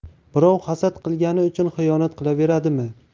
birov hasad qilgani uchun xiyonat qilaveradimi